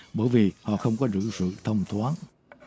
bởi vì họ không có đủ sự thông thoáng